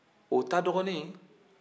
o ta dɔgɔnin